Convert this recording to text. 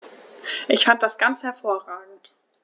Ich fand das ganz hervorragend.